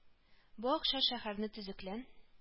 Бу акча шәһәрне төзеклән